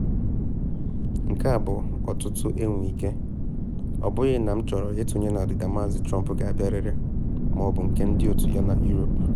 Nke ahụ bụ ọtụtụ enwee ike, ọ bụghị na m chọrọ ịtụnye na ọdịda Maazị Trump ga-abịarịrị - ma ọ bụ nke ndị otu ya na Europe.